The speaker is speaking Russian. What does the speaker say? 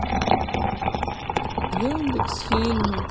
яндекс фильмы